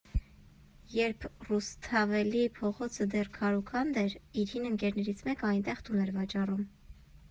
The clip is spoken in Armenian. Երբ Ռուսթավելի փողոցը դեռ քարուքանդ էր, իր հին ընկերներից մեկը այնտեղ տուն էր վաճառում։